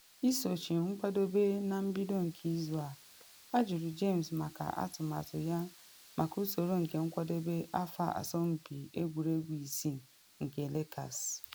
Isochi nkwadobe na mbido nke izu a, ajụrụ James maka atụmatụ ya maka usoro nke nkwadobe afọ asọmpi egwuregwu isii nke Lakers.